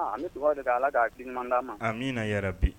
A bɛ dugawu de ala k'a di d'a ma a min na yɛrɛ bi